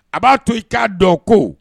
A b'a to i k'a dɔn ko